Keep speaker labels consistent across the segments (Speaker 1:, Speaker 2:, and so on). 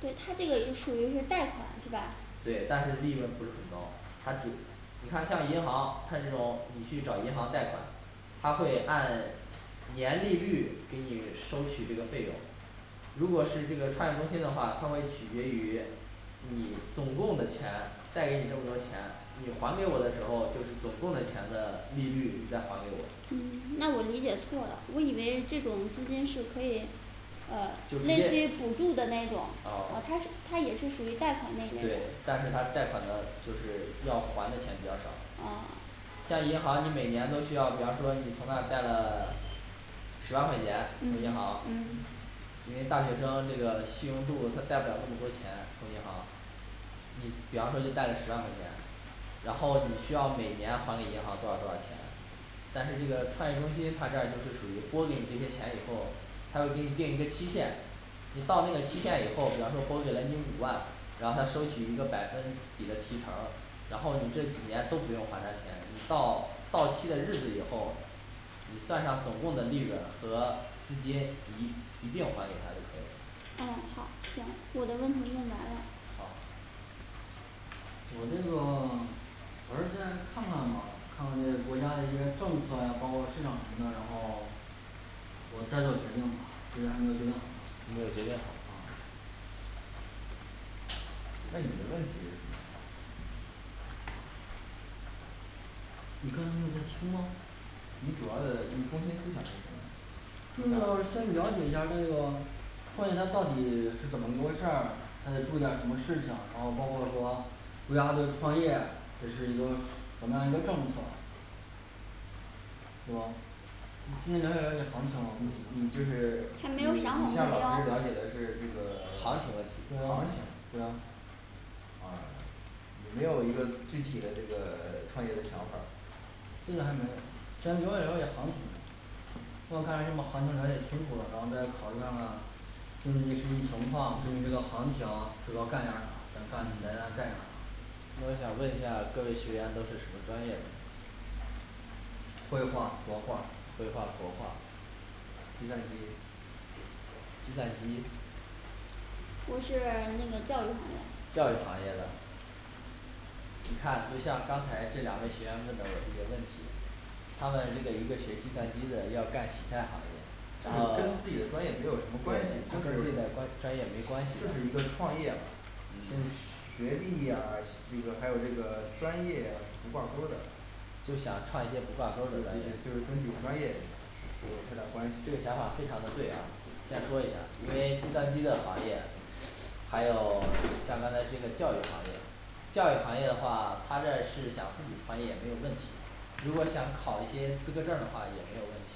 Speaker 1: 对，它这个就属于是贷款是吧？
Speaker 2: 对，但是利润不是很高，它只你看像银行他这种你去找银行贷款，他会按年利率给你收取这个费用如果是那个创业中心的话，他会取决于你总共的钱贷给你这么多钱，你还给我的时候就是总共的钱的利率你再还给我。
Speaker 1: 嗯那我理解错了，我以为这种资金是可以呃
Speaker 2: 就直接，哦
Speaker 1: 类似于补助的那种，啊它它也是属于贷款的那类的
Speaker 2: 对，但是它贷款的就是需要还的钱比较少。
Speaker 1: 噢
Speaker 2: 像银行你每年都需要，比方说你从那儿贷了 十万块钱从
Speaker 1: 嗯
Speaker 2: 银行
Speaker 1: 嗯
Speaker 2: 因为大学生这个信用度他贷不了那么多钱，从银行你比方说就贷了十万块钱然后你需要每年还给银行多少钱多少钱，但是这个创业中心他这儿就是属于拨儿给你这些钱以后，他会给你定一个期限你到那个期限以后，比方说拨给了你五万，然后他收取一个百分比的提成儿，然后你这几年都不用还他钱，到到期的日子以后你算上总共的利润和资金一一并还给他就可以了
Speaker 1: 哦好行，我的问题问完了
Speaker 2: 好
Speaker 3: 我这个 我是在看看吧看看这个国家的一些政策呀，包括市场什么的，然后我再做决定，现在还没有决定好
Speaker 2: 没有决定好。
Speaker 3: 啊
Speaker 2: 那你的问题是什么
Speaker 3: 你刚才没有在听吗
Speaker 2: 你主要的你中心思想是什么？
Speaker 3: 就是说先了解一下这个关键他到底是怎么一回事儿，他得注意点儿什么事情，然后包括说回家都创业，这是一个怎么样一个政策，是吧？你先了解了解行情吧我
Speaker 4: 你你
Speaker 3: 觉得
Speaker 4: 就，是
Speaker 1: 还没
Speaker 4: 你
Speaker 1: 有
Speaker 4: 你
Speaker 1: 想
Speaker 4: 向
Speaker 1: 好
Speaker 4: 老
Speaker 1: 目
Speaker 3: 对
Speaker 4: 师
Speaker 1: 标
Speaker 4: 了解的是这个行
Speaker 2: 行情
Speaker 4: 情
Speaker 2: 问题
Speaker 3: 啊对啊
Speaker 4: 嗯你没有一个具体的这个创业的想法儿。
Speaker 3: 现在还没有，先了解了解行情吧要干这么行情了解清楚了然后再考虑看看。根据你实际情况，根据这个行情主要干点儿啥，咱干咱再干点儿啥
Speaker 2: 那我想问一下儿各位学员都是什么专业的？
Speaker 3: 绘画、国画儿
Speaker 2: 绘画、国画儿
Speaker 4: 计算机
Speaker 2: 计算机
Speaker 1: 我是那个教育行业的
Speaker 2: 教育行业的你看就像刚才这两位学员问的有一些问题他们这个一个学计算机的要干洗菜行业，
Speaker 4: 这个
Speaker 2: 哦对它
Speaker 4: 跟
Speaker 2: 是
Speaker 4: 自己的专业
Speaker 2: 跟
Speaker 4: 没
Speaker 2: 这
Speaker 4: 有什么关系，就是就是
Speaker 2: 种关专业没关系的
Speaker 4: 一个创业跟学历呀这个还有这个专业不挂钩儿的
Speaker 2: 就想创一些不挂钩儿
Speaker 4: 对
Speaker 2: 的专业，
Speaker 4: 对就是跟自己专业没有太大关
Speaker 2: 这
Speaker 4: 系
Speaker 2: 个想法儿非常的对的。先说一下儿，因为计算机的行业还有 像刚才这个教育行业教育行业的话，她这是想自己创业没有问题如果想考一些资格证儿的话也没有问题。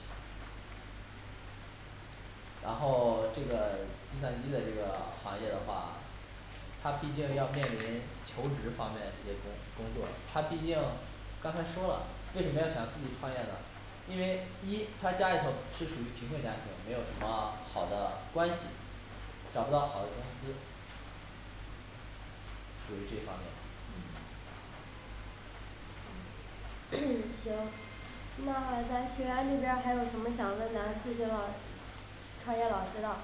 Speaker 2: 然后这个计算机的这个行业的话他毕竟要面临求职方面一些工工作，他毕竟刚才说了为什么要想自己创业呢因为一他家里头是属于贫困家庭，没有什么好的关系，找不到好的公司所以这方面
Speaker 4: 嗯
Speaker 5: 行那咱学员儿这边儿还有什么想问咱咨询老创业老师的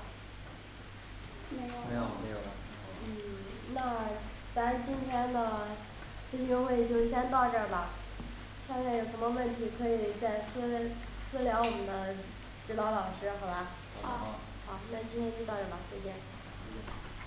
Speaker 1: 没
Speaker 4: 没
Speaker 1: 有
Speaker 4: 有
Speaker 3: 没有
Speaker 1: 了
Speaker 4: 了
Speaker 3: 了
Speaker 5: 嗯那咱今天的咨询会就先到这儿吧下面有什么问题可以再跟私聊我们的指导老师好吧？好
Speaker 1: 好
Speaker 3: 好
Speaker 4: 好
Speaker 5: 那今天就到这儿吧再见
Speaker 4: 再见